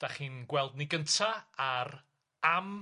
'Dach chi'n gweld ni gynta' ar Am.